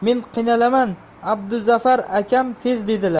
men qiynalaman abduzafar akam tez dedilar